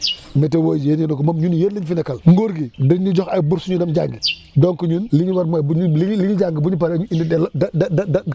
météo yéen a ko moom ñun yéen lañ fi nekkal nguur gi dañ ñu jox ay bourses ñu dem jàngi donc ñun li ñu war mooy bu ñu li ñu li ñu jàng bu ñu paree ñu indi delloo de de de